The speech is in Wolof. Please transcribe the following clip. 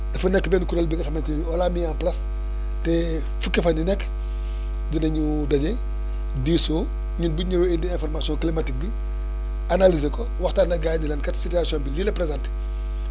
dafa nekk benn kuréel bi nga xamante ni on l' a mis en place te fukki fan yu nekk dinañu daje diisoo ñun bu ñu ñëwee indi information climatique bi analyser ko waxtaan ak gaa yi kat ni leen kat situation bi lii la présenté